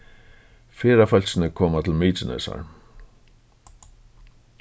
ferðafólkini koma til mykinesar